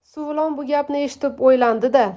suvilon bu gapni eshitib o'ylandi da